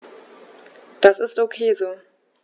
Das ist ok so.